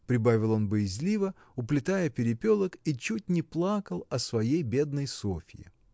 — прибавил он боязливо, уплетая перепелок, и чуть не плакал о своей бедной Софье.